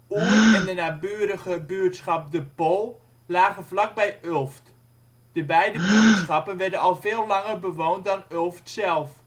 Oer en de naburige buurtschap de Pol lagen vlak bij Ulft. De beide buurtschappen werden al veel langer bewoond dan Ulft zelf